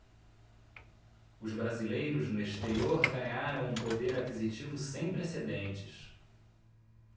os brasileiros no exterior ganharam um poder aquisitivo sem precedentes